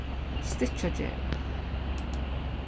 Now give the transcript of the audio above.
stykkjagerði